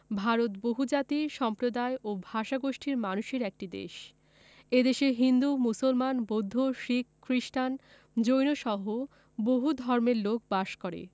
ভারত বহুজাতি সম্প্রদায় ও ভাষাগোষ্ঠীর মানুষের একটি দেশ এ দেশে হিন্দু মুসলমান বৌদ্ধ শিখ খ্রিস্টান জৈনসহ বহু ধর্মের লোক বাস করে